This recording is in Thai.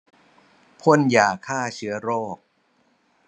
พ่นยาฆ่าเชื้อโรค